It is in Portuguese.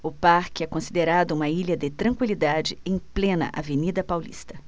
o parque é considerado uma ilha de tranquilidade em plena avenida paulista